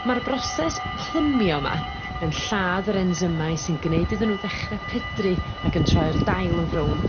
ma'r broses plymio 'ma yn lladd yr ensymau sy'n gneud iddyn n'w ddechre pydru ac yn troi'r dail yn frown.